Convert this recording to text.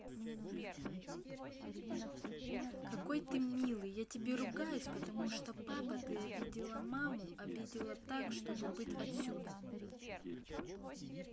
какой ты милый я тебе ругаюсь потому что папа ты обидела маму обидела так чтобы быть отсюда